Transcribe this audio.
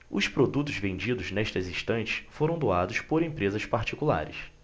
os produtos vendidos nestas estantes foram doados por empresas particulares